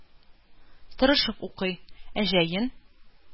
Тырышып укый. Ә җәен